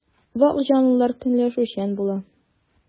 Вак җанлылар көнләшүчән була.